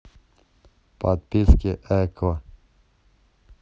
подписки экко